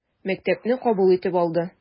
Мәктәпне кабул итеп алды.